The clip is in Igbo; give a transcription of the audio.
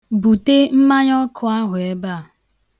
Bute mmanyaọkụ ahụ ebea.